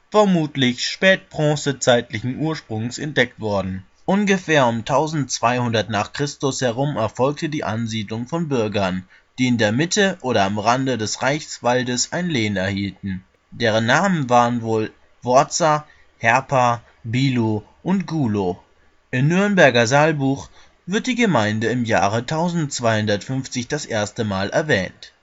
vermutlich spätbronzezeitlichen Ursprungs - entdeckt worden. Ungefähr um 1200 n. Chr. herum erfolgte die Ansiedlung von Bürgern, die in der Mitte oder am Rande des Reichswaldes ein Lehen erhielten. Deren Namen waren wohl Worzer, Herper, Bilo und Gulo. Im Nürnberger Salbuch wird die Gemeinde im Jahre 1250 das erste Mal erwähnt